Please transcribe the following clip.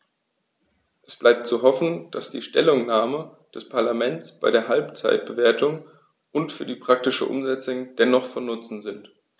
Es bleibt zu hoffen, dass die Stellungnahmen des Parlaments bei der Halbzeitbewertung und für die praktische Umsetzung dennoch von Nutzen sind.